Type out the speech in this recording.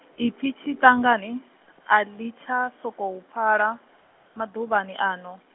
ipfi tshiṱangani, a ḽi tsha sokou pfala, maḓuvhani ano.